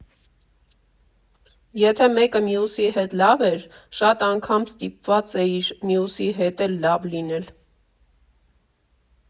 Եթե մեկը մյուսի հետ լավ էր՝ շատ անգամ ստիպված էիր մյուսի հետ էլ լավ լինել։